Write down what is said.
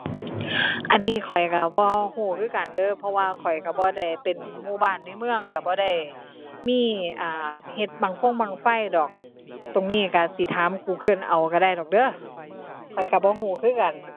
อันนี้ข้อยก็บ่ก็คือกันเด้อ เพราะว่าข้อยก็บ่ได้เป็นหมู่บ้านในเมืองแล้วบ่ได้มี เอ่อ เฮ็ดบั้งฟงบั้งไฟดอก ตรงนี้ก็สิถาม Google เอาก็ได้ดอกเด้อ ข้อยก็บ่ก็คือกัน